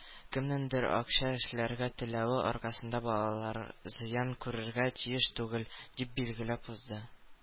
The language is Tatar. “кемнеңдер акча эшләргә теләве аркасында балалар зыян күрергә тиеш түгел”, - дип билгеләп узды.